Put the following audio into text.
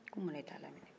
ko mun na i t'a laminɛ